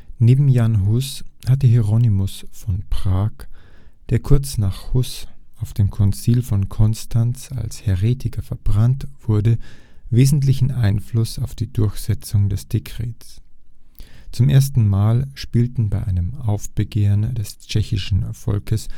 Neben Jan Hus hatte Hieronymus von Prag, der kurz nach Hus auf dem Konzil von Konstanz als Häretiker verbrannt wurde, wesentlichen Einfluss auf die Durchsetzung des Dekrets. Zum ersten Mal spielten bei einem Aufbegehren des tschechischen Volkes